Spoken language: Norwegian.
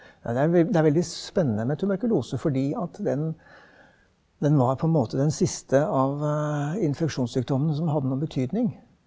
nei det er det er veldig spennende med tuberkulose fordi at den den var på en måte den siste av infeksjonssykdommene som hadde noen betydning.